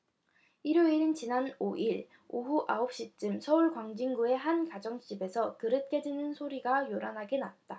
일요일인 지난 오 일 오후 아홉 시쯤 서울 광진구의 한 가정집에서 그릇 깨지는 소리가 요란하게 났다